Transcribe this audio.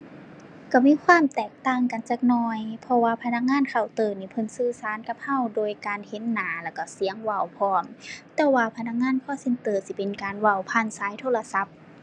ก็มีความแตกต่างกันจักหน่อย เพราะว่าพนักงานเคาน์เตอร์นี่เพิ่นสื่อสารกับก็ โดยการเห็นหน้าแล้วก็เสียงเว้าพร้อม แต่ว่าพนักงาน call center สิเป็นการเว้าผ่านสายโทรศัพท์